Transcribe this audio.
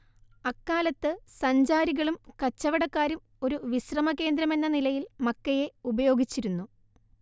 അക്കാലത്ത് സഞ്ചാരികളും കച്ചവടക്കാരും ഒരു വിശ്രമ കേന്ദ്രമെന്ന നിലയിൽ മക്കയെ ഉപയോഗിച്ചിരുന്നു